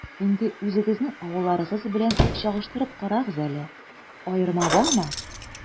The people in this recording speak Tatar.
Инде үзегезнең авылларыгыз белән чагыштырып карагыз әле, аерма бармы?